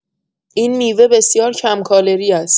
این میوه بسیار کم‌کالری است.